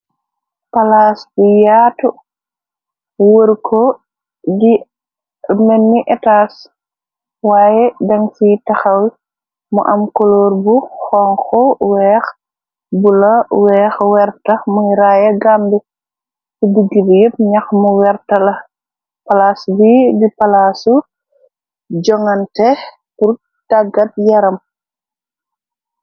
Palaas bi yaatu, wër ko melni, di waaye dan fi texaw mu am koloor bu xonxu, weex, bula, weex, werta muy raaya Gàmbi, ci digg bi ñax mu werta, la palaas bi di palaasu jongante bu tàggat yaram.